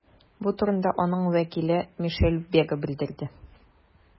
Бу турыда аның вәкиле Мишель Бега белдерде.